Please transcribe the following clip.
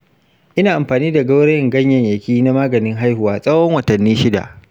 ina amfani da gaurayen ganyayyaki na maganin haihuwa tsawon watanni shida.